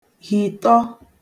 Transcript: hìtọ